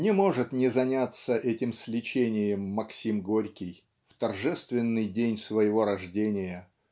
Не может не заняться этим сличением Максим Горький в торжественный день своего рождения